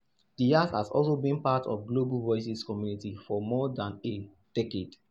Díaz has also been part of the Global Voices community for more than a decade.